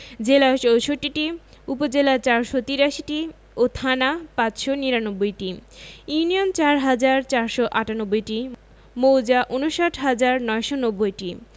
জেলা ৬৪টি উপজেলা ৪৮৩টি ও থানা ৫৯৯টি ইউনিয়ন ৪হাজার ৪৯৮টি মৌজা ৫৯হাজার ৯৯০টি